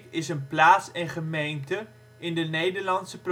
is een plaats en gemeente in de Nederlandse